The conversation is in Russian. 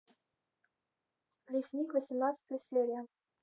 лесник восемнадцатая серия